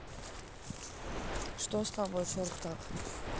что с тобой черт так